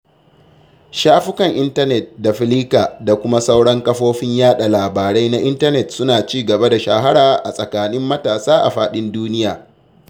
Shafukan intanet da Flickr da kuma sauran kafofin yaɗa labarai na intanet suna ci gaba da shahara a tsakanin matasa a faɗin duniya.